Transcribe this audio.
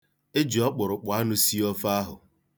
E ji ọkpụrụkpụ anụ sie ofe ahụ.